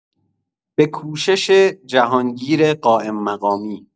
به‌کوشش جهانگیر قائم‌مقامی